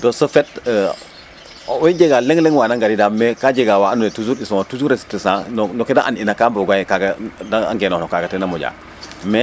De ce fait owey jega leŋ leŋ wa naa ngariida mais ka jega wa andoona yee toujours disons toujours no ke da an'ina ka mboogaa yee da ngenox no kaaga ten na moƴa